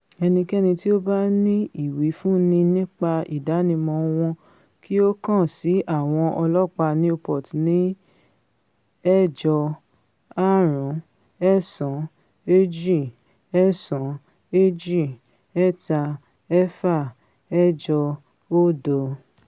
Ẹnikẹ́ni tí ó bání ìwífúnni nípa ìdánimọ̀ wọn kí ó kàn sí àwọn ọlọ́ọ̀pá Newport ní 859-292-3680.